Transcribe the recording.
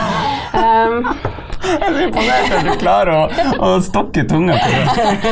jeg blir imponert over du klarer å å stokke tunga på det.